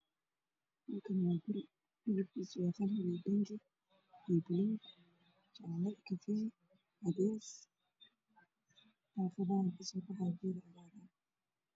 Halkaan waa guri kalarkiisu waa qaxwi iyo bingi, buluug, jaale, kafay iyo cadeys, gatiisana waxaa kabaxaayo geedo cagaaran.